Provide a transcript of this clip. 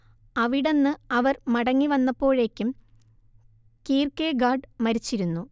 അവിടന്ന് അവർ മടങ്ങി വന്നപ്പോഴേക്കും കീർക്കെഗാഡ് മരിച്ചിരുന്നു